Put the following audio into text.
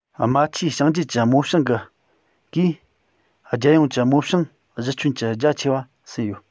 རྨ ཆུའི བྱང རྒྱུད ཀྱི རྨོ ཞིང གིས རྒྱལ ཡོངས ཀྱི རྨོ ཞིང གཞི ཁྱོན གྱི རྒྱ ཆེ བ ཟིན ཡོད